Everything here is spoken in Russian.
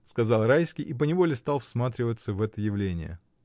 — сказал Райский и поневоле стал всматриваться в это явление.